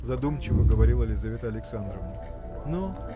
– задумчиво говорила Лизавета Александровна – но.